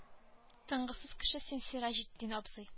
Тынгысыз кеше син сираҗетдин абзый